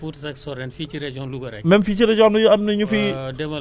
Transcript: gis nga li mu ray ci jur fële ca Fouta ba président bi sax am lu mu leen jàppalee